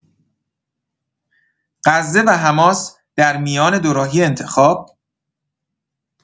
غزه و حماس درمیان دوراهی انتخاب؟